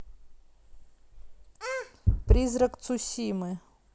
призрак цусимы